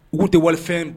U ku tɛ wali fɛn